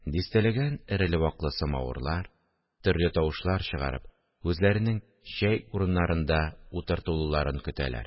Дистәләгән эреле-ваклы самавырлар, төрле тавышлар чыгарып, үзләренең чәй урыннарында утыртылуларын көтәләр